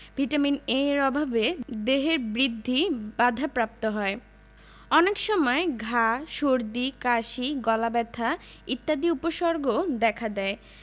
vitamin A এর অভাবে দেহের বৃদ্ধি বাধাপ্রাপ্ত হয় অনেক সময় ঘা সর্দি কাশি গলাব্যথা ইত্যাদি উপসর্গও দেখা দেয়